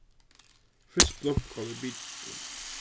fryst blómkál í bitum